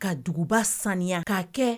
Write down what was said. Ka duguba saniya ka kɛ